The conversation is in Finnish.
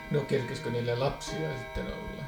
no kerkesikö niillä lapsia sitten olla